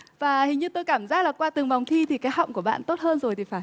và hình như tôi cảm giác là qua từng vòng thi thì cái họng của bạn tốt hơn rồi thì phải